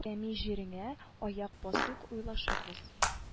Кәми җиренә аяк басыйк уйлашырбыз